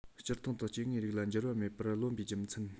སྤྱིར བཏང དུ སྐྱེ དངོས རིགས ལ འགྱུར བ མེད པར རློམ པའི རྒྱུ མཚན